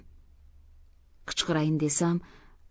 qichqirayin desam